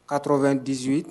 Kaatɔ bɛ dizri